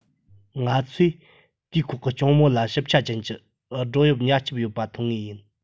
ང ཚོས དེའི ཁོག གི ལྕོང མོ ལ ཞིབ ཆ ཅན གྱི སྒྲོ དབྱིབས ཉ ལྕིབས ཡོད པ མཐོང ངེས ཡིན